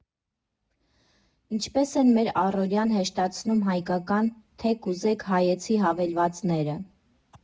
Ինչպես են մեր առօրյան հեշտացնում հայկական, թե կուզեք՝ հայեցի հավելվածները։